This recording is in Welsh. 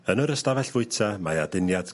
Yn yr ystafell fwyta mae aduniad...